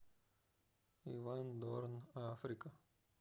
иван дорн африка